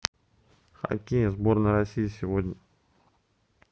хоккей сборная россии сегодня